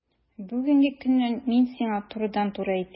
Бүгенге көннән мин сиңа турыдан-туры әйтәм: